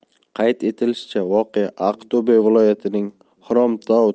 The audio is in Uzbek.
qayd etilishicha voqea aqto'be viloyatining xromtau